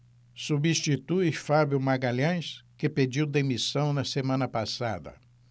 substitui fábio magalhães que pediu demissão na semana passada